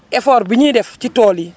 effort bu ñuy def ci tool yi